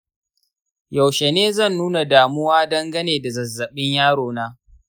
yaushe ne zan nuna damuwa dan gane da zazzaɓin yarona